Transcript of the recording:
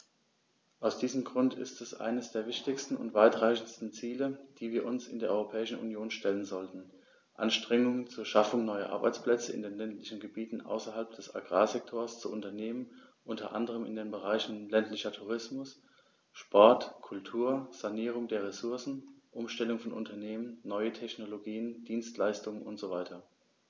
Aus diesem Grund ist es eines der wichtigsten und weitreichendsten Ziele, die wir uns in der Europäischen Union stellen sollten, Anstrengungen zur Schaffung neuer Arbeitsplätze in den ländlichen Gebieten außerhalb des Agrarsektors zu unternehmen, unter anderem in den Bereichen ländlicher Tourismus, Sport, Kultur, Sanierung der Ressourcen, Umstellung von Unternehmen, neue Technologien, Dienstleistungen usw.